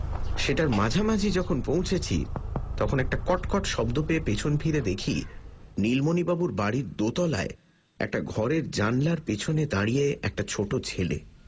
সেটার মাঝামাঝি যখন পৌছেছি তখন একটা কট্ কট্ শব্দ পেয়ে পিছন ফিরে দেখি নীলমণিবাবুর দোতলার একটা ঘরের জানালার পিছনে দাঁড়িয়ে একটা ছোট ছেলে